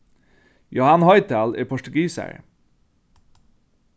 johan hoydal er portugisari